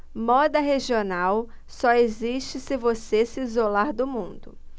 moda regional só existe se você se isolar do mundo